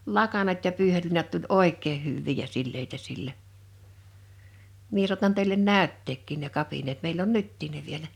lakanat ja pyyheliinat tuli oikein hyviä ja sileitä sillä minä saatan teille näyttääkin ne kapineet meillä on nytkin ne vielä